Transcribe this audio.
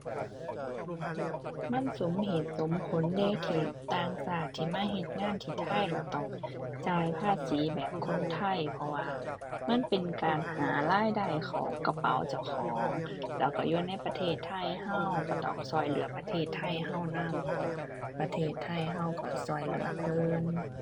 มันสมเหตุสมผลเดะ ที่ต่างชาติที่มาเฮ็ดงานที่ไทยแล้วต้องจ่ายภาษีแบบคนไทย เพราะว่ามันเป็นการหารายได้เข้ากระเป๋าเจ้าของ แล้วก็อยู่ในประเทศไทยก็ ก็ต้องก็เหลือประเทศไทยก็นำ เพราะว่าประเทศไทยก็ก็ก็เหลือเพิ่น